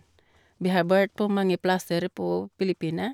Vi har vært på mange plasser på Filippinene.